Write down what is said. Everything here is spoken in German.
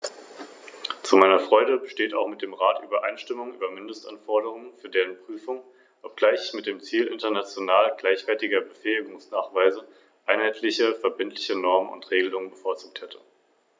Diese Rechte betreffen vor allem Personen mit Behinderung beziehungsweise Personen mit eingeschränkter Mobilität.